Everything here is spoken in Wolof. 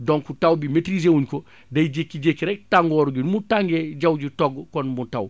donc taw bi maitriser wuñ ko day jékki-jékki rekk tàngoor ñu nu mu tàngee jaww ji togg kon mu taw